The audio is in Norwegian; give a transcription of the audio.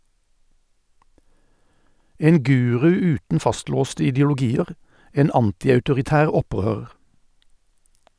En guru uten fastlåste ideologier, en antiautoritær opprører.